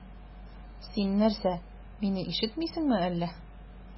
Син нәрсә, мине ишетмисеңме әллә?